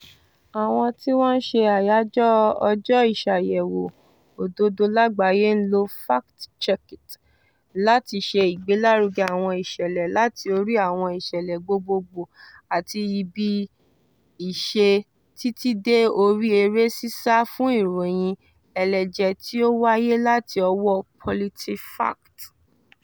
Àwọn tí wọ́n ń ṣe àyájọ́ Ọjọ́ Ìṣàyẹ̀wò Òdodo Lágbàáyé ń lo #FactCheckIt láti ṣe ìgbélárugẹ àwọn ìṣẹ̀lẹ̀ láti orí àwọn ìṣẹ̀lẹ̀ gbogbogbò àti ibi-iṣẹ́ títí dé orí eré sísá fún ìròyìn ẹlẹ́jẹ̀ tí ó wáyé láti ọwọ́ PolitiFact.